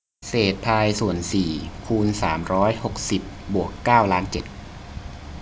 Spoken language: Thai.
เศษพายส่วนสี่คูณสามร้อยหกสิบบวกเก้าล้านเจ็ด